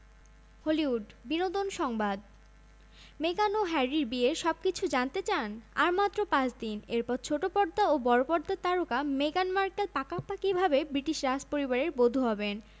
সময়সূচি Prince Harry ও মেগান মার্কেল দুপুরে বিয়ের শপথ নেবেন এক ঘণ্টার মধ্যে বিয়ের আনুষ্ঠানিকতা সম্পন্ন হওয়ার কথা উইন্ডসর ক্যাসেলের মাঠ থেকে ১হাজার ২০০ জন সাধারণ মানুষ এই রাজকীয় বিয়ের সাক্ষী হতে পারবেন